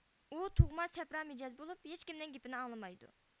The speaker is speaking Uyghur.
ئۇ تۇغما سەپرا مىجەز بولۇپ ھېچكىمنىڭ گېپىنى ئاڭلىمايدۇ